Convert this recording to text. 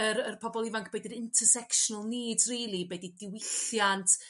yr y pobol ifanc? Be 'di'r intersectional needs rili? Be 'di diwylliant?